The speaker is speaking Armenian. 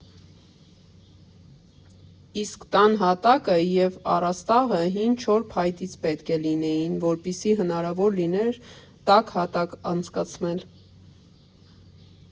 Իսկ տան հատակը և առաստաղը հին չոր փայտից պետք է լինեին, որպեսզի հնարավոր լիներ տաք հատակ անցկացնել։